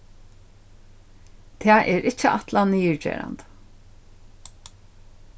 tað er ikki ætlað niðurgerandi